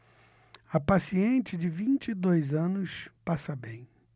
a paciente de vinte e dois anos passa bem